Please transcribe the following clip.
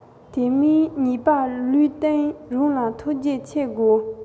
དེ མིན ཉེས པ ལུས སྟེང རང ལ ཐུགས རྗེ ཆེ དགོས